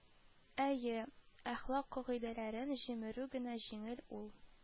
Әйе, әхлак кагыйдәләрен җимерү генә җиңел ул